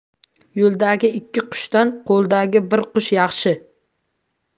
yo'ldagi ikki qushdan qo'ldagi bir qush yaxshi